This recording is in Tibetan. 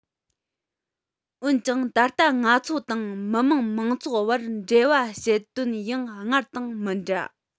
འོན ཀྱང ད ལྟ ང ཚོ དང མི དམངས མང ཚོགས བར འབྲེལ བ བྱེད དོན ཡང སྔར དང མི འདྲ